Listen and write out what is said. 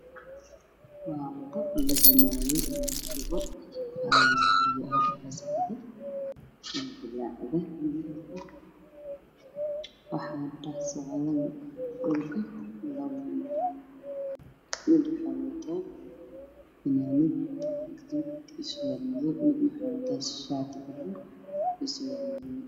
Waxaa ii muuqda meel god ay ka qodantahay oo ay labaduba ku jiraan tubooyinkaas oo ah kuwa waaweyn